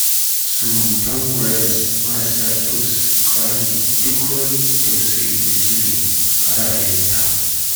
“Surutan Morales marassa kyau sun ƙare duk wani tausayi na Chile, a ra’ayinta.